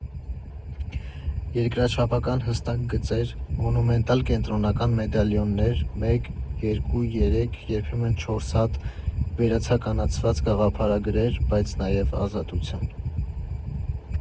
֊ երկրաչափական հստակ գծեր, մոնումենտալ կենտրոնական մեդալիոններ՝ մեկ, երկու, երեք, երբեմն չորս հատ, վերացականացված գաղափարագրեր, բայց նաև ազատություն.